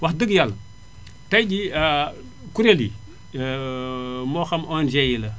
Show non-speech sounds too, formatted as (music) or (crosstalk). wax dëgg Yàlla (smacks lips) tay jii (hesitation) kuréel yi (hesitation) moo xam ONG yi la